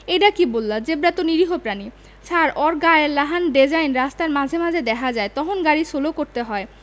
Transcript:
এইডা কি বললা জেব্রা তো নিরীহ প্রাণী ছার অর গায়ের লাহান ডেজাইন রাস্তায় মাঝে মাঝে দেহা যায় তহন গাড়ি সোলো করতে হয়